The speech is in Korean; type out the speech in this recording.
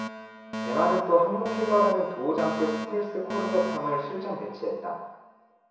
대만은 또 항모킬러라는 두오장급 스텔스 코르벳함을 실전배치했다